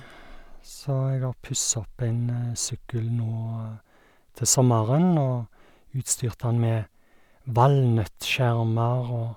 Så jeg har pussa opp en sykkel nå til sommeren, og utstyrt han med valnøtt-skjermer, og...